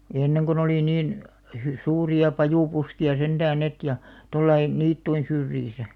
ja ennen kun oli niin - suuria pajupuskia sentään ne ja tuolla lailla niittyjen syrjissä